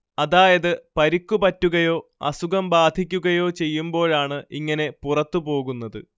അതായത് പരിക്കു പറ്റുകയോ അസുഖം ബാധിക്കുകയോ ചെയ്യുമ്പോഴാണ് ഇങ്ങനെ പുറത്തുപോകുന്നത്